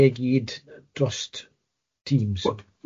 i gyd drost Teams?